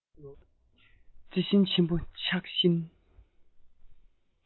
བརྩི བཞིན ཆེན པོ ཆགས བཞིན